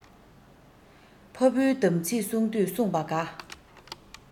ཕ བུའི དམ ཚིག བསྲུང དུས བསྲུངས པ དགའ